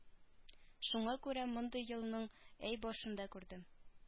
Шуңа күрә мондый елның әй башында күрдем